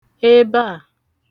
ebe a